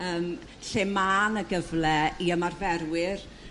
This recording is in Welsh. Yrm lla ma' 'na gyfle i ymarferwyr